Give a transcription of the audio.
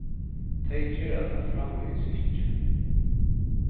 tey gera tað framvegis ikki